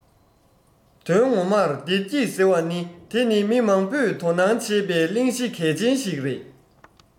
དོན ངོ མར བདེ སྐྱིད ཟེར བ ནི འདི ནི མི མང པོས དོ སྣང བྱེད པའི གླེང གཞི གལ ཆེན ཞིག རེད